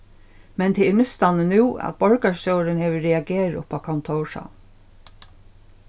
men tað er nústani nú at borgarstjórin hevur reagerað uppá kontórshavn